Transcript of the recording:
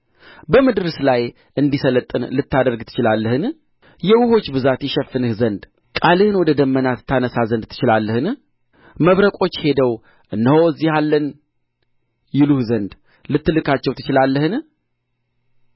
በምድርስ ለይ እንዲሠለጥን ልታደርግ ትችላለህን የውኆች ብዛት ይሸፍንህ ዘንድ ቃልህን ወደ ደመናት ታነሣ ዘንድ ትችላለህን መብረቆች ሄደው እነሆ እዚህ አለን ይሉህ ዘንድ ልትልካቸው ትችላለህን